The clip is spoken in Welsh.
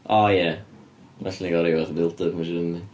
O, ie. Well i ni gael ryw fath o build-up mae'n siwr yndi.